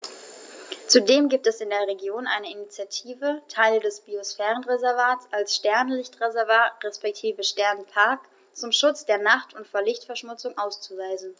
Zudem gibt es in der Region eine Initiative, Teile des Biosphärenreservats als Sternenlicht-Reservat respektive Sternenpark zum Schutz der Nacht und vor Lichtverschmutzung auszuweisen.